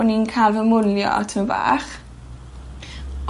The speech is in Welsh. o'n i'n ca'l fy mwlio tyme' bach.